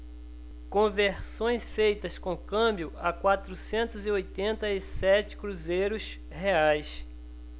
conversões feitas com câmbio a quatrocentos e oitenta e sete cruzeiros reais